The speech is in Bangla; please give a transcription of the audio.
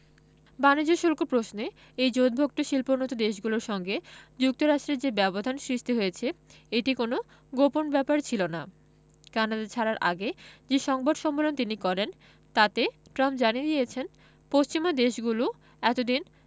বাণিজ্য শুল্ক প্রশ্নে এই জোটভুক্ত শিল্পোন্নত দেশগুলোর সঙ্গে যুক্তরাষ্ট্রের যে ব্যবধান সৃষ্টি হয়েছে এটি কোনো গোপন ব্যাপার ছিল না কানাডা ছাড়ার আগে যে সংবাদ সম্মেলন তিনি করেন তাতে ট্রাম্প জানিয়ে দিয়েছিলেন পশ্চিমা দেশগুলো এত দিন